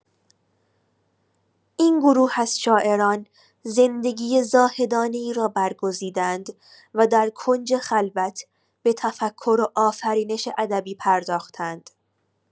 این گروه از شاعران، زندگی زاهدانه‌ای را برگزیدند و در کنج خلوت، به تفکر و آفرینش ادبی پرداختند.